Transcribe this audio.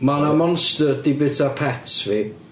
Mae 'na monster 'di byta pets fi.